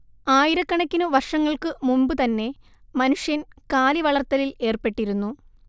ആയിരക്കണക്കിനു വർഷങ്ങൾക്കു മുമ്പുതന്നെ മനുഷ്യൻ കാലി വളർത്തലിൽ ഏർപ്പെട്ടിരുന്നു